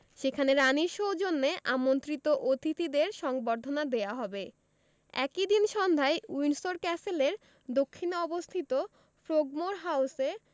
সেখানে রানির সৌজন্যে আমন্ত্রিত অতিথিদের সংবর্ধনা দেওয়া হবে একই দিন সন্ধ্যায় উইন্ডসর ক্যাসেলের দক্ষিণে অবস্থিত ফ্রোগমোর হাউসে